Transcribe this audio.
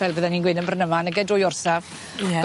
Fel fydden ni'n gweud yn Brynaman nage dwy orsaf. Ie.